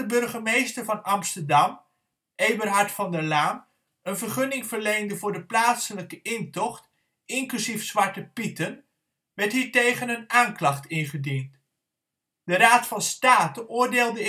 burgemeester van Amsterdam, Eberhard van der Laan, een vergunning verleende voor de plaatselijke intocht, inclusief Zwarte Pieten, werd hiertegen een aanklacht ingediend. De Raad van State oordeelde